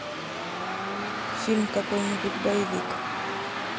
фильм какой нибудь боевик